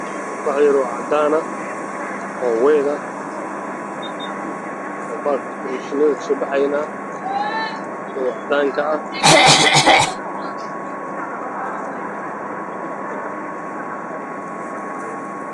Waa guri qabyo ah